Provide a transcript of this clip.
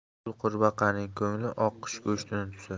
cho'lqurbaqaning ko'ngli oqqush go'shtini tusar